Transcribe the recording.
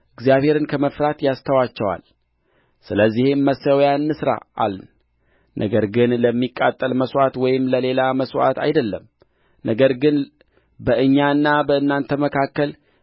እግዚአብሔርን ከመፍራት አስተዋቸዋል ስለዚህም መሠዊያ እንሥራ አልን ነገር ግን ለሚቃጠል መሥዋዕት ወይም ለሌላ መሥዋዕት አይደለም ነገር ግን በእኛና በእናንተ መካከል